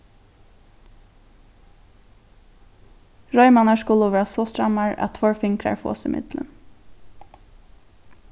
reimarnar skulu vera so strammar at tveir fingrar fáast ímillum